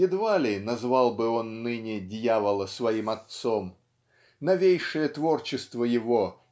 Едва ли назвал бы он ныне Дьявола своим отцом. Новейшее творчество его